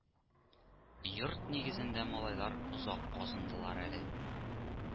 Йорт нигезендә малайлар озак казындылар әле